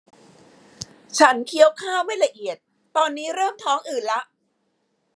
ฉันเคี้ยวข้าวไม่ละเอียดตอนนี้เริ่มท้องอืดละ